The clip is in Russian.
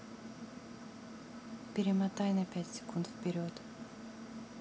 перемотай на пять секунд вперед